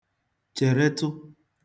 chèretụ